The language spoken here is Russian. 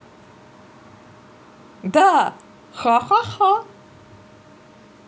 да ха ха ха